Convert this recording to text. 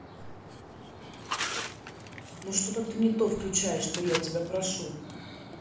ну что то ты не то включаешь что я тебя прошу